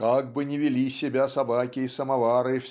Как бы ни вели себя собаки и самовары